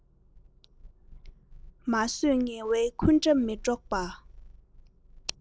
མ བཟོད ངལ བའི འཁུན སྒྲ མི སྒྲོག པ